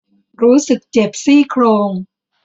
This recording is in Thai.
รู้สึกเจ็บซี่โครง